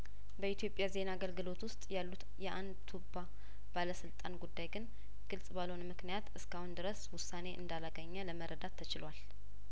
በኢትዮጵያ ዜና አገልግሎት ውስጥ ያሉት የአንድ ቱባ ባለስልጣን ጉዳይግን ግልጽ ባልሆነምክንያት እስካሁን ድረስ ውሳኔ እንዳላገኘ ለመረዳት ተችሏል